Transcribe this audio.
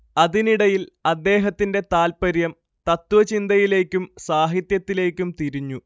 അതിനിടയിൽ അദ്ദേഹത്തിന്റെ താത്പര്യം തത്ത്വചിന്തയിലേക്കും സാഹിത്യത്തിലേക്കും തിരിഞ്ഞു